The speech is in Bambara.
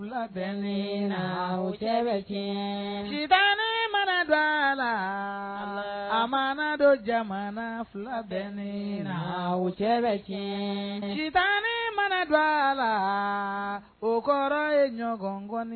Fila bɛ le na u cɛ bɛ kɛta mana dɔ a la mana dɔ jamana fila bɛ ne na o cɛ bɛ kɛta mana dɔ a la o kɔrɔ ye ɲɔgɔn